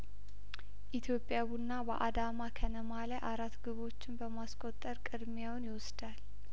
ኢትዮጵያ ቡና በአዳማ ከነማ ላይ አራት ግቦችን በማስቆጠር ቅድሚያውን ይወስዳል